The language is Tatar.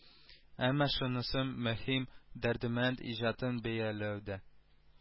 Әмма шунысы мөһим дәрдемәнд иҗатын бәяләүдә